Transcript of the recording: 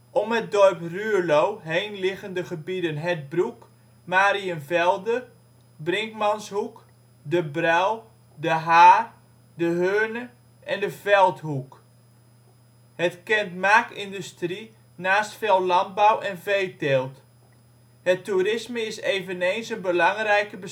Om het dorp Ruurlo heen liggen de gebieden Het Broek, Mariënvelde, Brinkmanshoek, De Bruil, De Haar, De Heurne en de Veldhoek. Het kent maak-industrie, naast veel landbouw en veeteelt. Het toerisme is eveneens een belangrijke